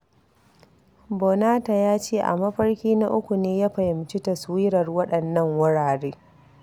Bonatah ya ce a mafarki na uku ne ya fahimci taswirar waɗannan wurare.